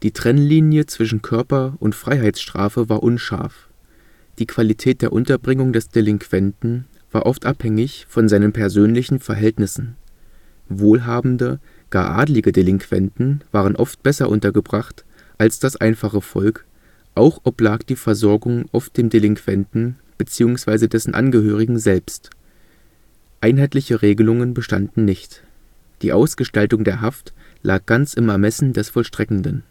Trennlinie zwischen Körper - und Freiheitsstrafe war unscharf. Die Qualität der Unterbringung des Delinquenten war oft abhängig von seinen persönlichen Verhältnissen: Wohlhabende, gar adlige Delinquenten waren oft besser untergebracht als das einfache Volk, auch oblag die Versorgung oft dem Delinquenten bzw. dessen Angehörigen selbst. Einheitliche Regelungen bestanden nicht: Die Ausgestaltung der Haft lag ganz im Ermessen des Vollstreckenden